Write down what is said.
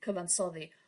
cyfansoddi.